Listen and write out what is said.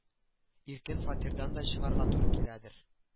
Иркен фатирдан да чыгарга туры киләдер